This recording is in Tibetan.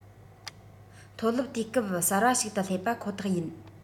མཐོ རླབས དུས སྐབས གསར པ ཞིག ཏུ སླེབས པ ཁོ ཐག ཡིན